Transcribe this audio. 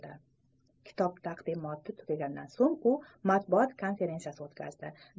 kitob taqdimoti tugagandan so'ng u matbuot konferensiyasi o'tkazdi